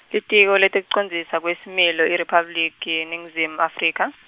Litiko leTekucondziswa kweSimilo IRiphabliki yeNingizimu Afrika.